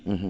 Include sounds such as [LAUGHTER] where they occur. [HESITATION] [HESITATION]